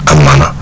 am maanaa